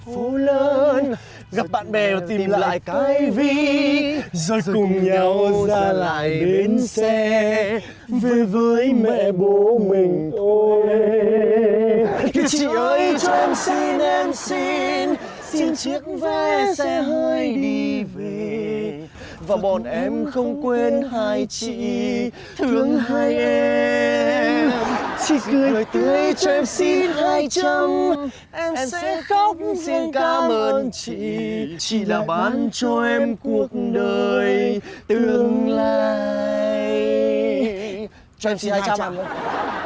phố lớn gặp bạn bè tìm lại cái ví rồi cùng nhau ra lại bến xe về với mẹ bố mình thôi kìa chị ơi cho em xin em xin xin chiếc vé xe hơi đi về và bọn em không quên hai chị thương hai em chị cười tươi cho em xin hai trăm em sẽ khóc xin cám ơn chị chị đã ban cho em cuộc đời tương lai cho em xin hai trăm với ạ